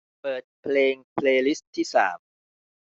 เปิดเพลงเพลย์ลิสต์ที่สาม